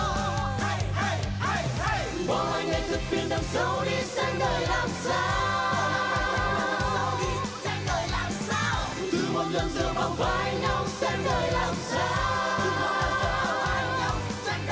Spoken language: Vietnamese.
bỏ lại làm quên đời làm sao thử một lần dựa vào vai nhau xem đời làm sao